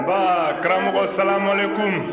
nba karamɔgɔ salamalekun